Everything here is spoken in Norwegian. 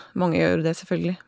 Mange gjør jo det, selvfølgelig.